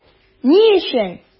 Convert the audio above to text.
Ни өчен?